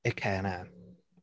Ekenna.